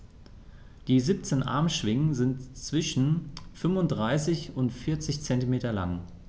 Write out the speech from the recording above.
Die 17 Armschwingen sind zwischen 35 und 40 cm lang.